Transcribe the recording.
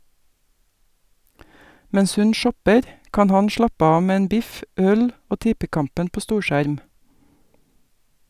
Mens hun shopper , kan han slappe av med en biff , øl og tippekampen på storskjerm.